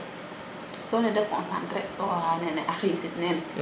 so ne de consentrer toxa nene a xisit neen